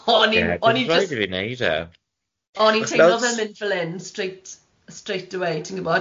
O'n- o'n i'n jyst- O'n i'n teimlo fel mynd fel hyn straight straight away ti'n gwbod?